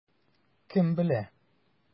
Кем белә?